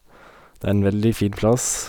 Det er en veldig fin plass.